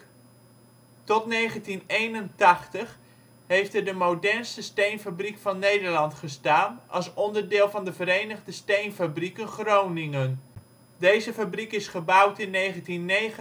Tot 1981 heeft er de modernste steenfabriek van Nederland gestaan als onderdeel van De Verenigde Steenfabrieken Groningen. Deze fabriek is gebouwd in 1979